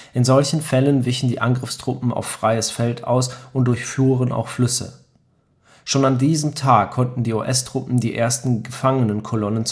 In solchen Fällen wichen die Angriffstruppen auf freies Feld aus und durchfuhren auch Flüsse. Schon an diesem Tage konnten die US-Truppen die ersten Gefangenenkolonnen zusammenstellen